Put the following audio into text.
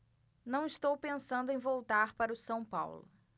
não estou pensando em voltar para o são paulo